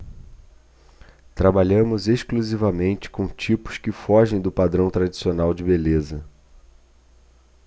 trabalhamos exclusivamente com tipos que fogem do padrão tradicional de beleza